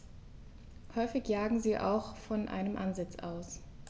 Häufig jagen sie auch von einem Ansitz aus.